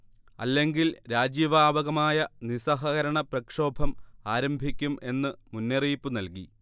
അല്ലെങ്കിൽ രാജ്യവ്യാപകമായ നിസ്സഹകരണ പ്രക്ഷോഭം ആരംഭിക്കും എന്നു മുന്നറിയിപ്പുനൽകി